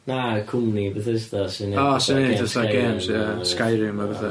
Na cwmni Bethesda sy'n neud... O sy'n neud fatha games ie Skyrim a betha.